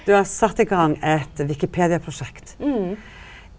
du har sett i gang eit wikipediaprosjekt.